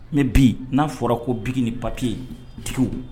Mɛ bi n'a fɔra ko biki ni papiye tigi